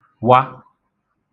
-wa